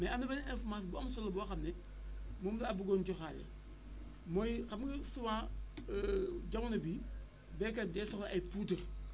mais am na beneen information bu am solo boo xam ne moom laa bëggoon jooxaale mooy xam nga souvent jamono bii béykat bi day soxla ay poudres